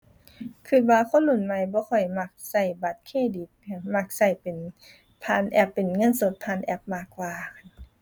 คิดว่าคนรุ่นใหม่บ่ค่อยมักคิดบัตรเครดิตค่ะ มักคิดเป็นผ่านแอป เป็นเงินสดผ่านแอปมากกว่า